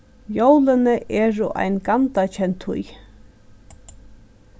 jólini eru ein gandakend tíð